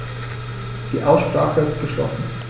Die Aussprache ist geschlossen.